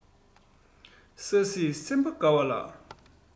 ས ཡིས སེམས པ དགའ བ ལ